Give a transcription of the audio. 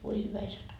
voi hyvä isä toki